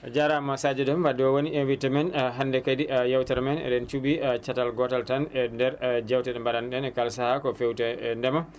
a jarama Sadio Déme wadde o woni invité men hannde kadi yewtere meɗen eɗen cuɓi ceetal gotal tan e nder jewte ɗe mbaɗanno e kala saaha ko fewti e ndema